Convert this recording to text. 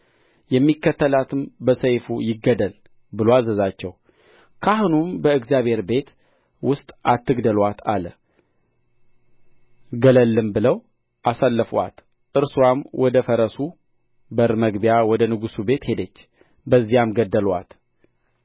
የሚከተላትም በሰይፍ ይገደል ብሎ አዘዛቸው ካህኑም በእግዚአብሔር ቤት ውስጥ አትግደሉአት አለ ገለልም ብለው አሳለፉአት እርስዋም ወደ ፈረሱ በር መግቢያ ወደ ንጉሡ ቤት ሄደች በዚያም ገደሉአት